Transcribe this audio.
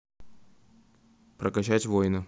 прокачать воина